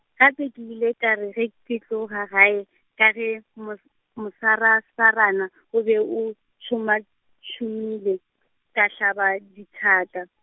gape ke ile ka re ge ke tloga gae, ka ge mos-, mosarasarana o be o, tshomatshomile, ka hlaba dithaka.